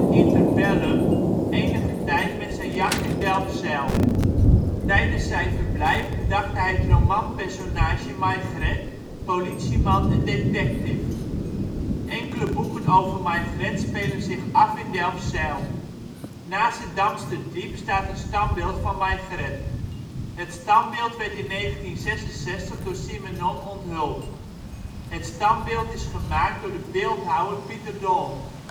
interbellum enige tijd met zijn jacht in Delfzijl. Tijdens zijn verblijf bedacht hij het romanpersonage Maigret (politieman en detective). Enkele boeken over Maigret spelen zich af in Delfzijl. Naast het Damsterdiep staat een standbeeld van Maigret. Het standbeeld werd in 1966 door Simenon onthuld. Het standbeeld is gemaakt door de beeldhouwer Pieter d'Hont